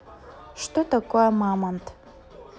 что такое мамонт